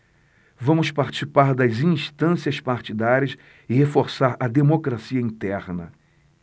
vamos participar das instâncias partidárias e reforçar a democracia interna